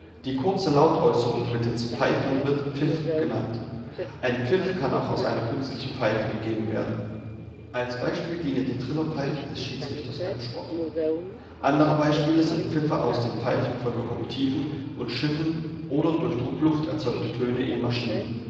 Die kurze Lautäußerung mittels Pfeifen wird „ Pfiff “genannt. Ein Pfiff kann auch aus einer künstlichen Pfeife gegeben werden. Als Beispiel diene die Trillerpfeife des Schiedsrichters beim Sport. Andere Beispiele sind Pfiffe aus den Pfeifen von Lokomotiven und Schiffen oder durch Druckluft erzeugte Töne in Maschinen